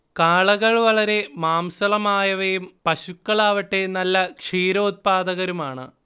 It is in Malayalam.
കാളകൾ വളരെ മാംസളമായവയും പശുക്കളാവട്ടെ നല്ല ക്ഷീരോത്പാദകരുമാണ്